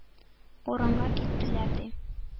Урынга киттеләр, ди.